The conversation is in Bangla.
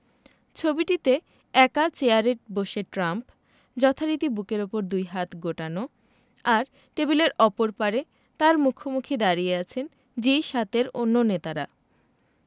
ছবিটিতে একা চেয়ারে বসে ট্রাম্প যথারীতি বুকের ওপর দুই হাত গোটানো আর টেবিলের অপর পারে তাঁর মুখোমুখি দাঁড়িয়ে আছেন জি ৭ এর অন্য নেতারা